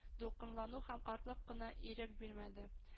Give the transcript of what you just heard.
Дулкынлану һәм картлык кына ирек бирмәде